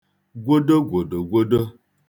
gwodogwòdògwodo